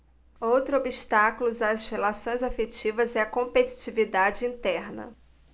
outro obstáculo às relações afetivas é a competitividade interna